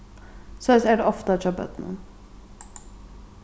soleiðis er tað ofta hjá børnum